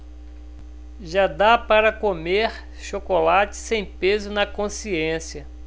já dá para comer chocolate sem peso na consciência